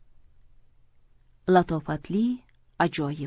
latofatli ajoyib tun